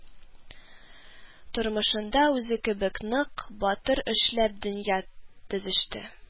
Тормышында үзе кебек нык, батыр эшләп дөнья төзеште